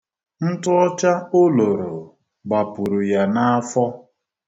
Ntụọcha o loro gbapuru ya n'afọ.